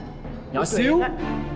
nhỏ xíu